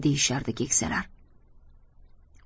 deyishardi keksalar